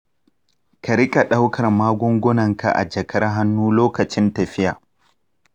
ka riƙa ɗaukar magungunanka a jakar hannu lokacin tafiya.